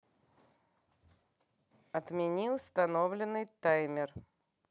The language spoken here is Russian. отмени установленный таймер